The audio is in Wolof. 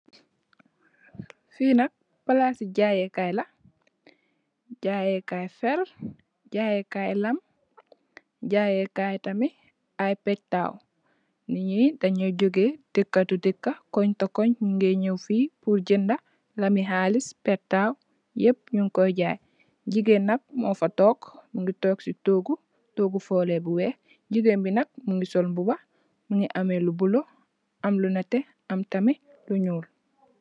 Fii nak, palaasi jaayee kaay la, jaayee kaay ferr, jaayee kaay lam, jaayee kaay tamih aye petaaw, niñi dañoy jogee deka to deka, koñ to koñ, ñungee ñeuw fi pur jenda lami haalis, petaaw, yeup ñunkooy jaay, jigeen nak mofa took, mungi took si toogu, toogu fooleuh bu weeh, jigeen bi nak mungi sol mbuba, mungi ameh lu buleuh, am lu neteh, am tamih lu ñuul.